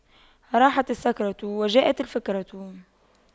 راحت السكرة وجاءت الفكرة